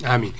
amine